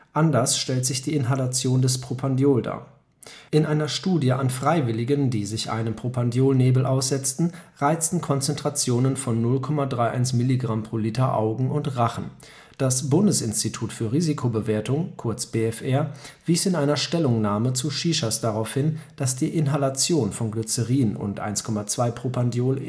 Anders stellt sich die Inhalation des Propandiol dar: In einer Studie an Freiwilligen, die sich einem Propandiolnebel aussetzten, reizten Konzentrationen von 0,31 mg/l Augen und Rachen. Das Bundesinstitut für Risikobewertung (BfR) wies in einer Stellungnahme zu Shishas darauf hin, dass die Inhalation von Glycerin und 1,2-Propandiol